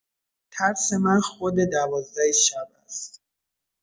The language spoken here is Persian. ترس من خود دوازده شب است!